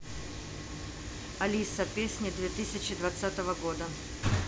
алиса песни две тысячи двадцатого года